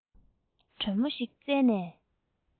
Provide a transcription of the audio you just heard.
དྲོན མོ ཞིག བཙལ ནས